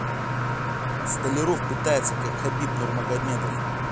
столяров пытается как хабиб нурмагомедов